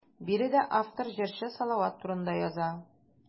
Биредә автор җырчы Салават турында яза.